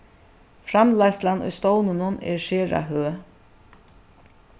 framleiðslan í stovninum er sera høg